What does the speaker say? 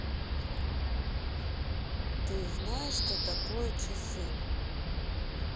ты знаешь что такое часы